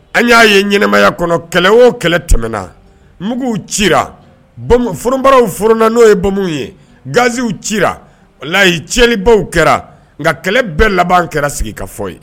An y'a ye ɲɛnɛmaya kɔnɔ kɛlɛ o kɛlɛ tɛmɛnɛna mugu ci fbararaww fna n'o ye bamaw ye ganzsiw ci layi cɛlibaw kɛra nka kɛlɛ bɛɛ laban kɛra sigi ka fɔ ye